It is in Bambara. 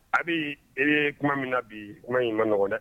A bɛ e ye tuma min na bi kuma in maɔgɔn dɛ